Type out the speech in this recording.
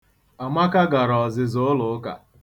Amaka gara ọ̀zị̀zà ụlọụka.